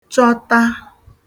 chọta